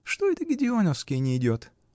-- Что это Гедеоновский нейдет?